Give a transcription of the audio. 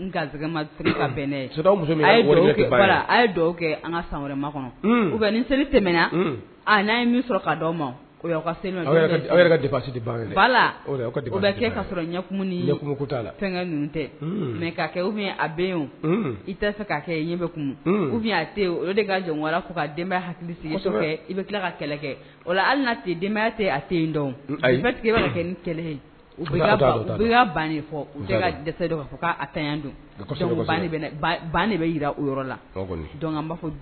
Ɛna i ka kɛ ɲɛ kun u o de ka jɔn wara fo kabaya hakili i bɛ tila ka kɛlɛ kɛ halibaya a kɛ'a fɔ u dɔ k'a ta don de bɛ yi u yɔrɔ la b